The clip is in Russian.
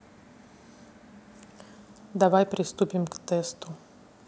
давай приступим к тесту